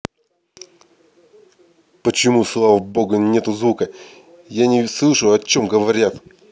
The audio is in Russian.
почему слава богу нету звука я не слышу о чем говорят